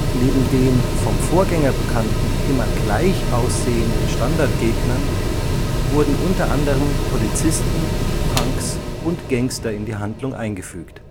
Neben den vom Vorgänger bekannten immer gleich aussehenden Standardgegnern, wurden unter anderem Polizisten, Punks und Gangster in die Handlung eingefügt